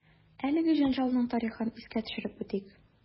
Әлеге җәнҗалның тарихын искә төшереп үтик.